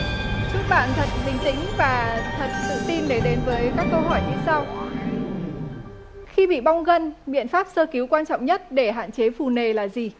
chúc bạn thật bình tĩnh và thật tự tin để đến với các câu hỏi như sau khi bị bong gân biện pháp sơ cứu quan trọng nhất để hạn chế phù nề là gì